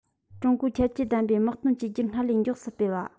ཀྲུང གོའི ཁྱད ཆོས ལྡན པའི དམག དོན བཅོས བསྒྱུར སྔར ལས མགྱོགས སུ སྤེལ བ